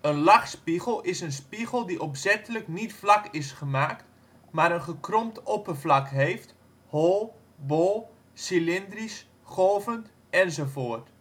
lachspiegel is een spiegel die opzettelijk niet vlak is gemaakt, maar een gekromd oppervlak heeft: hol, bol, cilindrisch, golvend, enz